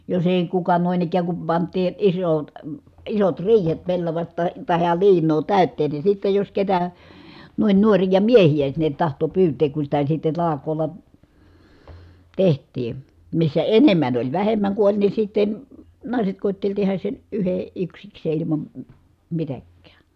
jos ei kuka noin ikään kun pantiin isot isot riihet pellavasta tai tai ja liinaa täyteen niin sitten jos ketä noin nuoria miehiä sinne tahtoi pyytää kun sitä sitten talkoolla tehtiin missä enemmän oli vähemmän kun oli niin sitten naiset koetteli tehdä sen - yksikseen ilman - mitäkään